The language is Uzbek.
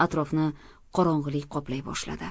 atrofni qorong'ulik qoplay boshladi